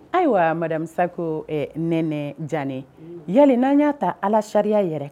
Ayiwa adamasa ko nɛnɛ jannen yala n'an y'a ta ala sariya yɛrɛ